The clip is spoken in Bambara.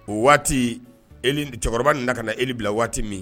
O waati cɛkɔrɔba in nana ka na e bila waati min